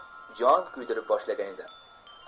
jon kuydirib boshlagan edi